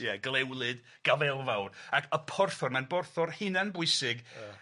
Ie Hlewlwyd Gafaelfawr, ac y porthor, ma'n borthor hunan bwysig. Ia.